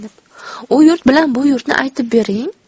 u yurt bilan bu yurtni aytib bering